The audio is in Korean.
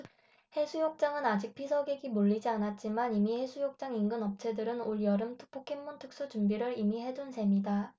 해수욕장은 아직 피서객이 몰리지 않았지만 이미 해수욕장 인근 업체들은 올 여름 포켓몬 특수 준비를 이미 해둔 셈이다